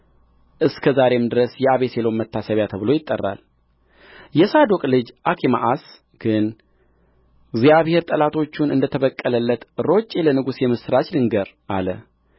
እስከ ዛሬም ድረስ የአቤሴሎም መታሰቢያ ተብሎ ይጠራል የሳዶቅ ልጅ አኪማኣስ ግን እግዚአብሔር ጠላቶቹን እንደተበቀለለት ሮጬ ለንጉሥ የምሥራች ልንገር አለ